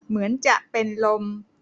เหมือนจะเป็นลม